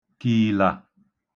kììlà